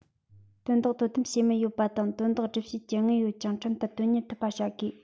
དོན དག དོ དམ བྱེད མི ཡོད པ དང དོན དག སྒྲུབ བྱེད ཀྱི དངུལ ཡོད ཅིང ཁྲིམས ལྟར དོན གཉེར ཐུབ པ བྱ དགོས